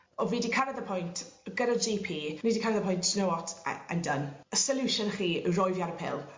o fi 'di cyrraedd y pwynt gyda'r Gee Pee fi 'di cyrraedd y pwynt you know what I I'm done. Y solution chi yw roi fi ar y pil